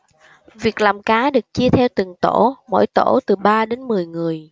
việc làm cá được chia theo từng tổ mỗi tổ từ ba đến mười người